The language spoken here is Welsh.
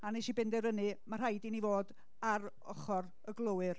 A wnes i benderfynu, ma' rhaid i ni fod ar ochr y glowyr.